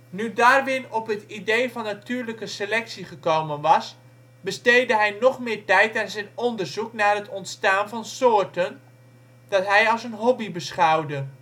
Nu Darwin op het idee van natuurlijke selectie gekomen was, besteedde hij nog meer tijd aan zijn onderzoek naar het ontstaan van soorten, dat hij als een hobby beschouwde